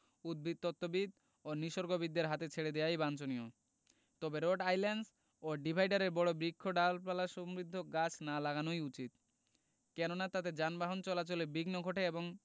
উদ্ভিদতত্ত্ববিদ ও নিসর্গবিদদের হাতে ছেড়ে দেয়াই বাঞ্ছনীয় তবে রোড আইল্যান্ড ও ডিভাইডারে বড় ডালপালাসমৃদ্ধ গাছ না লাগানোই উচিত কেননা তাতে যানবাহন চলাচলে বিঘ্ন ঘটে এবং